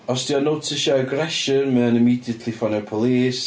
Os 'dio'n notisio aggression mae o'n immediately ffonio'r police.